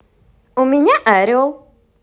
у меня орел